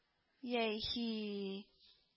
Яи-хи-хи